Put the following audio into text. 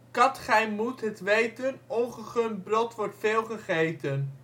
Kadt gy moedt het weten ongegund brodt wordt veel gegeten